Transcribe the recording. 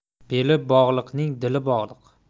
beli bog'liqning dili bog'liq